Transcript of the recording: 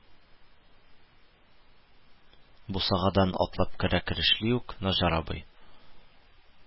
Бусагадан атлап керә-керешли үк, Наҗар абый: